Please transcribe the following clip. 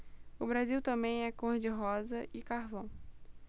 o brasil também é cor de rosa e carvão